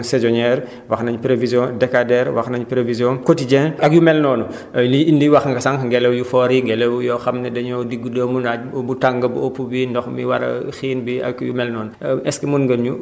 wax nañu prévision saisonnière wax nañ prévision décadaire wax nañ prévision cotidien ak yu mel noonu liy indi wax nga sànq ngelaw yu fort yi ngelaw yoo xam ni dañoo digg-dóomu naaj bu tàng bu ëpp bi ndox mi wala xiin bi ak yu mel noonu